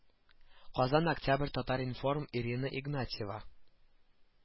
Казан октябрь татар информ ирина игнатьева